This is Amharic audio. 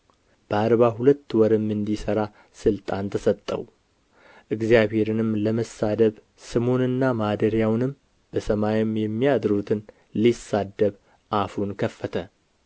በአርባ ሁለት ወርም እንዲሠራ ሥልጣን ተሰጠው እግዚአብሔርንም ለመሳደብ ስሙንና ማደሪያውንም በሰማይም የሚያድሩትን ሊሳደብ አፉን ከፈተ